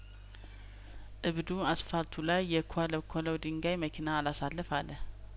እብዱ አስፋልቱ ላይ የኰለኰ ለው ድንጋይ መኪና አላሳልፍ አለ